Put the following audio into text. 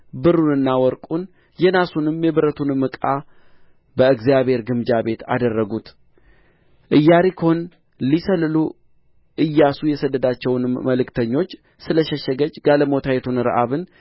ብሩንና ወርቁን የናሱንና የብረቱንም ዕቃ በእግዚአብሔር ግምጃ ቤት አደረጉት ኢያሪኮን ሊሰልሉ ኢያሱ የሰደዳቸውንም መልክተኞች ስለ ሸሸገች ጋለሞታይቱን ረዓብን